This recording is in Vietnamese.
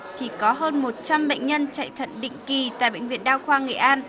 thì có hơn một trăm bệnh nhân chạy thận định kỳ tại bệnh viện đa khoa nghệ an